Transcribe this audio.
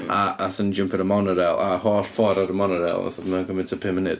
A aethon ni jympio ar y monorail, a holl ffordd ar y monorail. Wnaeth hwnna gymryd tua pum munud.